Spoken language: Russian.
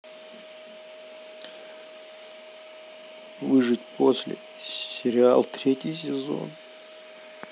выжить после сериал третий сезон